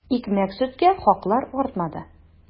Икмәк-сөткә хаклар артмады.